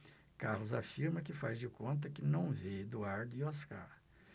carlos afirma que faz de conta que não vê eduardo e oscar